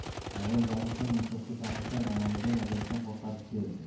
avval gapirsam insofga chaqirsam amalidan ajrashdan qo'rqadi derdi